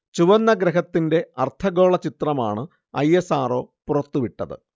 ചുവന്ന ഗ്രഹത്തിന്റെ അർദ്ധഗോള ചിത്രമാണ് ഐ. എസ്. ആർ. ഒ. പുറത്തുവിട്ടത്